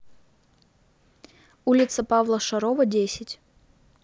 улица павла шарова десять